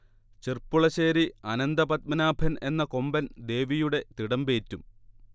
ചെർപ്പുളശ്ശേരി അനന്തപദ്മനാഭൻ എന്ന കൊമ്പൻ ദേവിയുടെ തിടമ്പേറ്റും